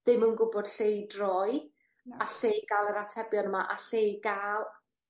dim yn gwbod lle i droi. Na. A lle i ga'l yr atebion yma a lle i ga'l